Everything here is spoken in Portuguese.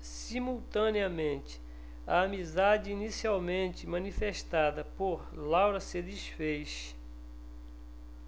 simultaneamente a amizade inicialmente manifestada por laura se disfez